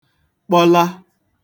kpọla